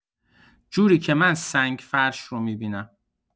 جوری که من سنگ‌فرش رو می‌بینم.